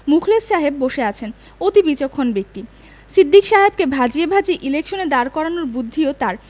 মুখলেস সাহেব বসে আছেন অতি বিচক্ষণ ব্যক্তি সিদ্দিক সাহেবকে ভাজিয়ে ভাজিয়ে ইলেকশনে দাঁড় করানোর বুদ্ধিও তাঁর